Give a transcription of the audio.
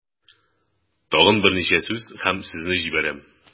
Тагын берничә сүз һәм сезне җибәрәм.